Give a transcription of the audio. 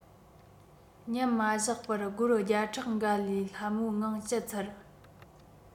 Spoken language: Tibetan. ཉམས མ བཞག པར སྒོར བརྒྱ ཕྲག འགའ ལས སླ མོའི ངང སྤྱད ཚར